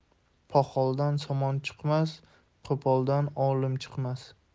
poxoldan somon chiqmas qo'poldan olim chiqmas